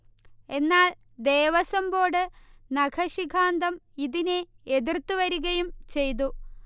എന്നാൽ, ദേവസ്വം ബോർ്ഡ് നഖശിഖാന്തം ഇതിനെ എതിർത്തു വരികയും ചെയ്തു